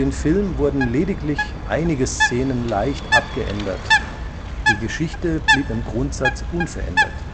Film wurden lediglich einige Szenen leicht abgeändert, die Geschichte blieb im Grundsatz unverändert